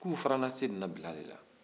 k'u farala seyidina bilali de la